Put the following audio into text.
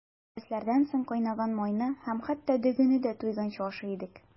Дәресләрдән соң кайнаган майны һәм хәтта дөгене дә туйганчы ашый идек.